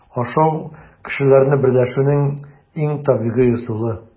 Ашау - кешеләрне берләшүнең иң табигый ысулы.